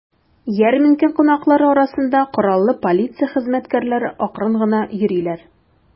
Ярминкә кунаклары арасында кораллы полиция хезмәткәрләре акрын гына йөриләр.